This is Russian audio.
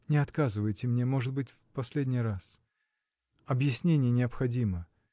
Не отказывайте мне, может быть, в последний раз. Объяснение необходимо